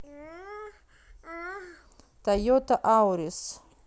тойота аурис